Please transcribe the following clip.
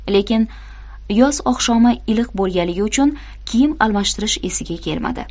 lekin yoz oqshomi iliq bo'lganligi uchun kiyim almashtirish esiga kelmadi